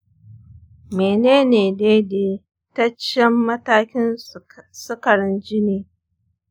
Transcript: mene ne dai-daitaccen matakin sukarin jini?